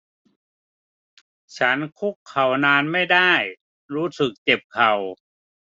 ฉันคุกเข่านานไม่ได้รู้สึกเจ็บเข่า